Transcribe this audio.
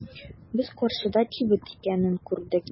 Без каршыда кибет икәнен күрдек.